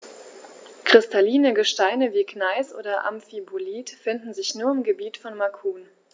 Kristalline Gesteine wie Gneis oder Amphibolit finden sich nur im Gebiet von Macun.